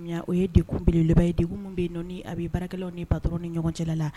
O ye dekeleba ye dek minnu bɛ nɔ a bɛ baarakɛlaww ni bato ni ɲɔgɔn cɛla la